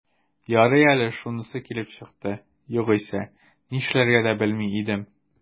Ярый әле шунысы килеп чыкты, югыйсә, нишләргә дә белми идем...